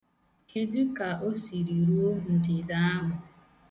Kedu ka o siri ruo ndịda ahụ?